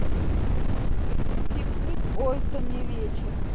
пикник ой то не вечер